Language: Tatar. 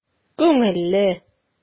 Күңелле!